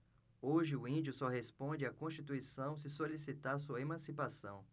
hoje o índio só responde à constituição se solicitar sua emancipação